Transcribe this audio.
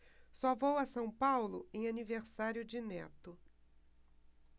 só vou a são paulo em aniversário de neto